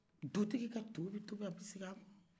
dutigi ka to be tobi a bɛ sigi a kɔrɔ